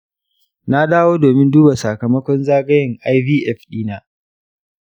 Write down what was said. na dawo domin duba sakamakon zagayen ivf dina